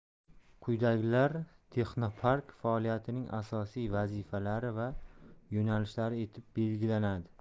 quyidagilar texnopark faoliyatining asosiy vazifalari va yo'nalishlari etib belgilanadi